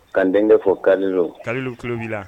Ka denkɛ bɛ fɔ kalu kalolu kibi